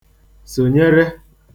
sònyere